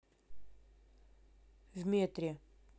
в метре